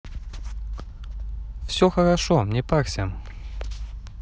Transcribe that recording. все хорошо не парься